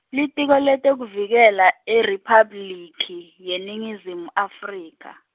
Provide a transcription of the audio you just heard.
Litiko leTekuvikela, IRiphabliki, yeNingizimu Afrika.